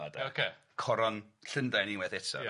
Coron Llundain unwaith eto. Ia.